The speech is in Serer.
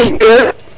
nam nu mbi u ye